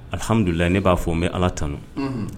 Ahamdulila ne b'a fɔ n bɛ ala tanun